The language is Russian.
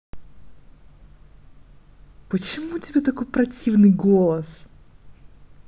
почему у тебя такой противный голос